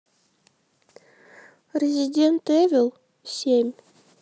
резидент эвил семь